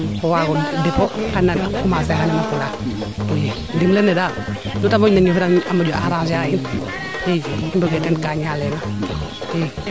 o waago dépot xenan commencer a fulaa i ndimle ne daal nu te moƴna ñof a moƴo arranger a in i mbugee teen kaa ñaleena i